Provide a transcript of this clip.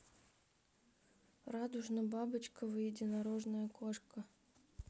радужно бабочково единорожная кошка